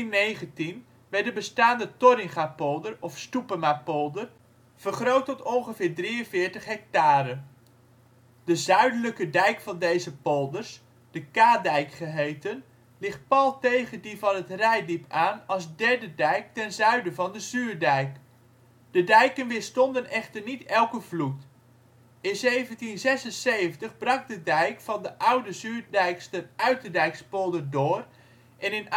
1819 werd de bestaande Torringapolder (of Stoepemapolder) vergroot tot ongeveer 43 hectare. De zuidelijke dijk van deze polders, de Kadijk geheten, ligt pal tegen die van het Reitdiep aan als derde dijk ten zuiden van de Zuurdijk. De dijken weerstonden echter niet elke vloed: In 1776 brak de dijk van de Oude Zuurdijkster Uiterdijkspolder door en in 1806